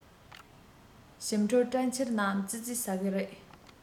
ཞིམ ཕྲུག པྲ ཆལ རྣམས ཙི ཙིས ཟ གི རེད